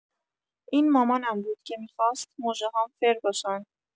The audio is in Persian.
این مامانم بود که می‌خواست مژه‌هام فر باشن.